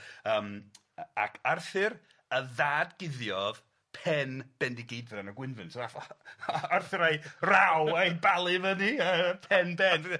Yym a- ac Arthur a ddad-guddiodd pen Bendigeidfran o Gwynfryn so nath A- A- Arthur a'i raw a'i balu fyny yy pen